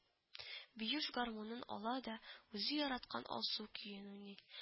Биюф гармунын ала да, үзе яраткан Алсу көен уйный